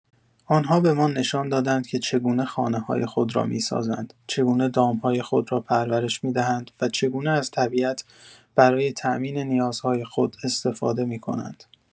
آنها به ما نشان دادند که چگونه خانه‌های خود را می‌سازند، چگونه دام‌های خود را پرورش می‌دهند و چگونه از طبیعت برای تامین نیازهای خود استفاده می‌کنند.